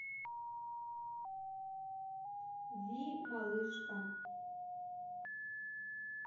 ви малышка